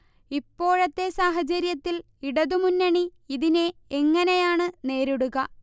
ഇപ്പോഴത്തെ സാഹചര്യത്തിൽ ഇടതുമുന്നണി ഇതിനെ എങ്ങനെയാണ് നേരിടുക